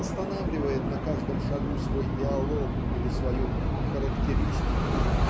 останавливает на каждом шагу свой диалог или свою характеристику